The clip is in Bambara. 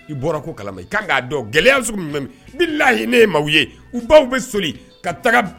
I bɔra ko kalama i ka kan k'a dɔ gɛlɛya sugujumɛn don billahi ne ye musow ye u baw bɛ sɔli ka taga